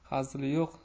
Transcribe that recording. hazili yo'q